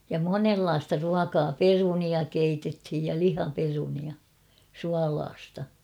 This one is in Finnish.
ja monenlaista ruokaa perunoita keitettiin ja lihaperunoita suolaista